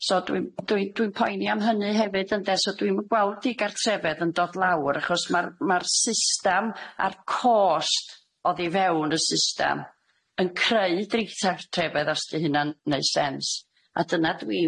So dwi'n dwi'n dwi'n poeni am hynny hefyd ynde so dwi'm yn gweld i gartrefedd yn dod lawr achos ma'r ma'r system a'r cost oddi fewn y system yn creu drithartrefedd os dy hunan neu' sense a dyna dwi'n